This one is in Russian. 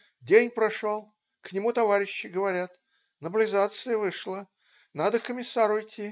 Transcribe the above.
день прошел - к нему товарищи, говорят: наблизация вышла, надо к комиссару идти.